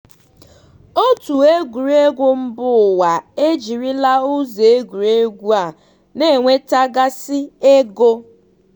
Otu egwuregwu mba ụwa ejirila ụzọ egwuregwu a na-enweta gasị ego.